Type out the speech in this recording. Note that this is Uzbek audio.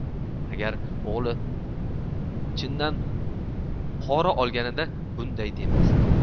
agar o'g'li chindan pora olganida bunday demasdi